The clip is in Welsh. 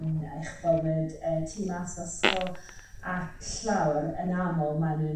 yn eich bywyd tu fas i ysgol ac llawer yn aml mae'n nhw'n